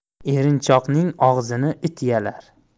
erinchoqning og'zini it yalar